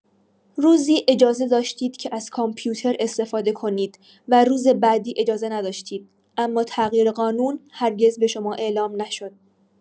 روزی اجازه داشتید که از کامپیوتر استفاده کنید و روز بعدی اجازه نداشتید، اما تغییر قانون هرگز به شما اعلام نشد.